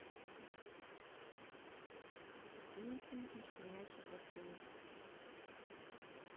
песенки щенячий патруль